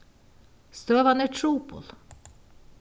støðan er trupul